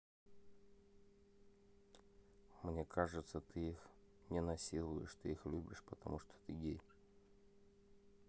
мне кажется ты их не насилуешь ты их любишь потому что ты гей